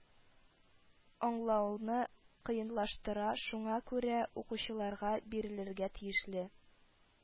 Аңлауны кыенлаштыра, шуңа күрə укучыларга бирелергə тиешле